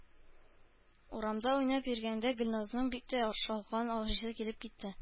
Урамда уйнап йөргәндә Гөльназның бик тә шалкан ашыйсы килеп китте